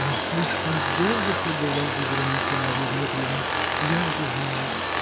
-- Я слишком долго пробыла за границей, Марья Дмитриевна, я это знаю